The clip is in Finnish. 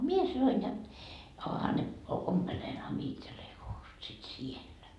minä sanoin ja onhan ne ompelenhan minä itselleni housut sitten siellä